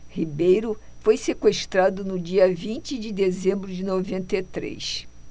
ribeiro foi sequestrado no dia vinte de dezembro de noventa e três